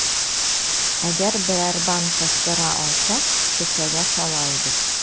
Әгәр берәр банка сыра алсак, кесәгә сала идек.